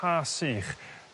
Ha sych